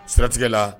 Siratigɛ la